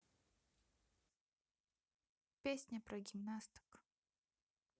песня про гимнасток